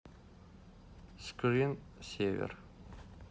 screen север